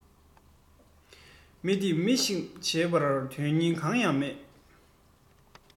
མི འདི མི ཞིག བྱེད པར དོན རྙིང གང ཡང མེད